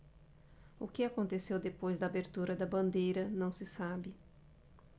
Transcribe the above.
o que aconteceu depois da abertura da bandeira não se sabe